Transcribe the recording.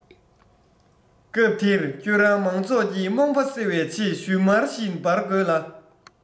སྐབས དེར ཁྱོད རང མང ཚོགས ཀྱི རྨོངས པ སེལ བའི ཆེད ཞུན མར བཞིན འབར དགོས ལ